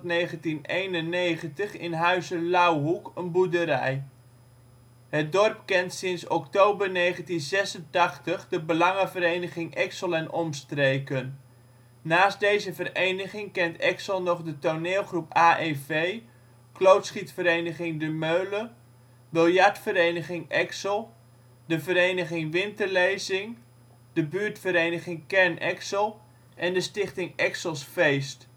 1991 in huize Louwhoek, een boerderij. Het dorp kent sinds oktober 1986 de Belangenvereniging Exel en Omstreken (BEO). Naast deze vereniging kent Exel nog de Toneelvereniging AEV, Klootschietvereniging De Mölle, Biljartvereniging Exel, de Vereniging Winterlezing, de Buurtvereniging kern Exel en de Stichting Exels Feest